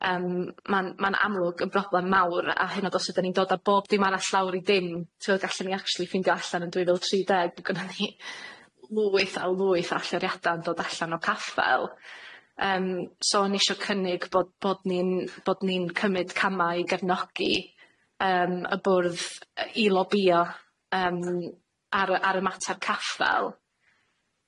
Yym ma'n ma'n amlwg yn broblem mawr a hynod os ydyn ni'n dod â bob dim arall lawr i dim, t'od gallwn ni actually ffindio allan yn dwy fil tri deg bo gynnon ni lwyth a lwyth o alluriada'n dod allan o caffel yym so o'n isio cynnig bod bod ni'n bod ni'n cymyd camau i gefnogi, yym y bwrdd yy i lobïo yym ar y ar y mater caffel.